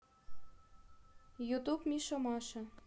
ютуб миша маша